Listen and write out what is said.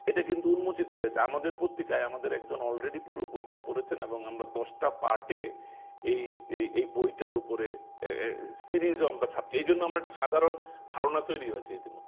এটা কিন্তু উন্মোচিত হয়েছে আমাদের পত্রিকায় আমাদের একজন অলরেডি পুরো বইটা পড়েছেন এবং আমরা দশটা পার্ট এ এই এই বইটার উপরে সিরিজ ও আমরা ছাপছি এই জন্য আমার একটা সাধারণ ধারনা তৈরি হয়েছে ইতোমধ্যে